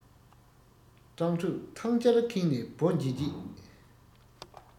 སྤྲང ཕྲུག ཐང རྐྱལ ཁེངས ནས སྦོ དགྱེད དགྱེད